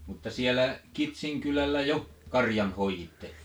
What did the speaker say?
mutta siellä Kitsin kylällä jo karjan hoiditte